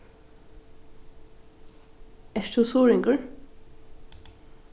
ert tú suðuroyingur